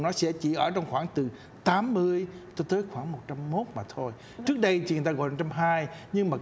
nó sẽ chỉ ở trong khoảng từ tám mươi thực tế khoảng một trăm mốt mà thổi trước đây chỉ là gói một trăm hai nhưng mà